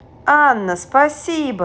анна спасибо